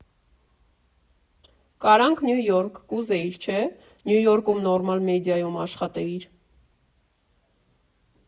Կարանք՝ Նյու Յորք, կուզեիր, չէ՞, Նյու Յորքում նորմալ մեդիայում աշխատեիր…